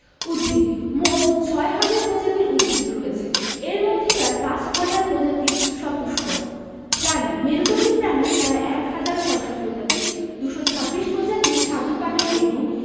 উদ্ভিদঃ মোট প্রায় ৬ হাজার প্রজাতির উদ্ভিদ রয়েছে এর মধ্যে প্রায় ৫ হাজার প্রজাতি সপুষ্পক প্রাণীঃ মেরুদন্ডী প্রাণী প্রায় ১হাজার ৬০০ প্রজাতির ২২৬ প্রজাতির স্বাদু পানির এবং